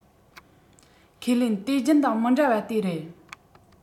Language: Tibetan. ཁས ལེན དུས རྒྱུན དང མི འདྲ བ དེ རེད